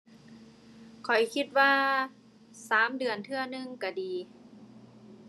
ข้อยคิดว่าสามเดือนเทื่อหนึ่งก็ดี